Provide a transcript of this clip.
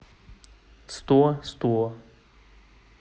сто сто